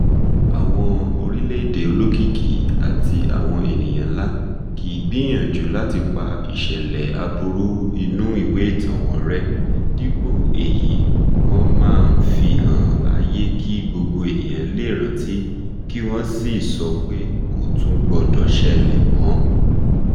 Àwọn orílẹ̀-èdè olókìkí àti àwọn èèyàn ńlá kì í gbìyànjú láti pa ìṣẹ̀lẹ̀ aburú inú ìtàn-an wọn rẹ́, dípò èyí wọ́n máa ń fi han ayé kí gbogbo ènìyàn lè rántí kí wọ́n sì sọ pé "KÒ TÚN GBỌDỌ̀ ṢẸLẸ̀ MỌ́ ".